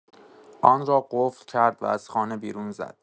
آن را قفل کرد و از خانه بیرون زد.